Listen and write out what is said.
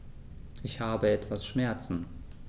Ich habe etwas Schmerzen.